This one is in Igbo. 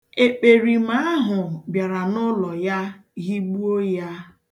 Ekperima ahụ bịara n'ụlọ ya higbuo ya.